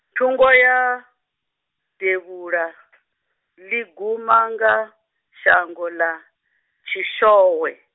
thungo ya, devhuḽa , ḽi guma nga, shango ḽa, Tshixowe.